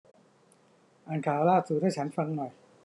อ่านข่าวล่าสุดให้ฉันฟังหน่อย